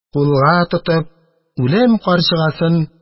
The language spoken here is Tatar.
Кулга тотып үлем карчыгасы